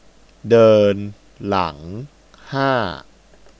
เดินหลังห้า